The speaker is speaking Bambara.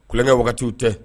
Kokɛ wagatiw tɛ